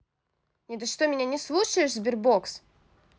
нет ты что меня не слушаешь sberbox